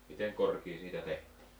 miten korkea siitä tehtiin